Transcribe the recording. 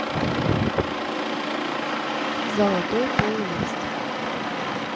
золотой плейлист